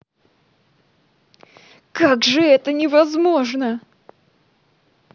как это же невозможно